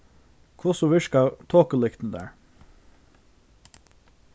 hvussu virka tokulyktirnar